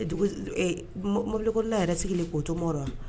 Mobilikɔnɔna yɛrɛ sigili ko to mɔgɔ la